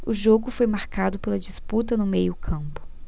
o jogo foi marcado pela disputa no meio campo